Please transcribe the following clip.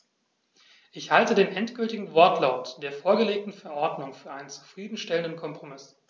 Ich halte den endgültigen Wortlaut der vorgelegten Verordnung für einen zufrieden stellenden Kompromiss.